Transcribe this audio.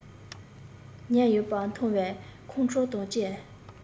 ཉལ ཡོད པ མཐོང བས ཁོང ཁྲོ དང བཅས